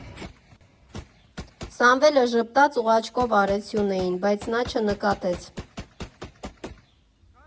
Սամվելը ժպտաց ու աչքով արեց Սյունեին, բայց նա չնկատեց։